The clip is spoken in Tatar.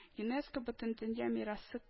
ЮНЕСКО Бөтендөнья мирасы